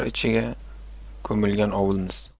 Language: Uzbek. ichiga ko'milgan ovulimiz